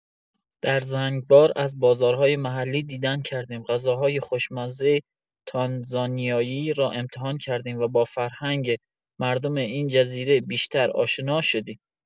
در زنگبار، از بازارهای محلی دیدن کردیم، غذاهای خوشمزۀ تانزانیایی را امتحان کردیم و با فرهنگ مردم این جزیره بیشتر آشنا شدیم.